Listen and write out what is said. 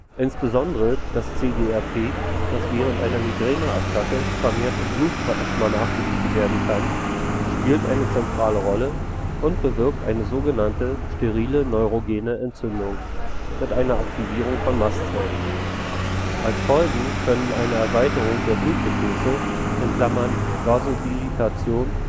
Insbesondere das CGRP, das während einer Migräneattacke vermehrt im Blutplasma nachgewiesen werden kann, spielt eine zentrale Rolle und bewirkt eine sogenannte „ sterile neurogene Entzündung “mit einer Aktivierung von Mastzellen. Als Folge können eine Erweiterung der Blutgefäße (Vasodilatation